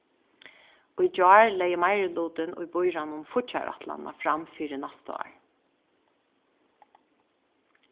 í gjár legði meirilutin í býráðnum fíggjarætlanina fram fyri næsta ár